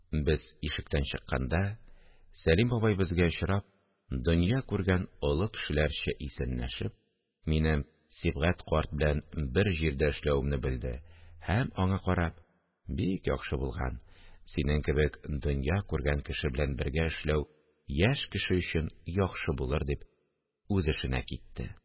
Без ишектән чыкканда, Сәлим бабай безгә очрап, дөнья күргән олы кешеләрчә исәнләшеп, минем Сибгать карт белән бер җирдә эшләвемне белде һәм, аңа карап: – Бик яхшы булган! Синең кебек дөнья күргән кеше белән бергә эшләү яшь кеше өчен яхшы булыр, – дип, үз эшенә китте